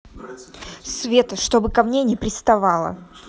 скажи света чтобы ко мне не приставала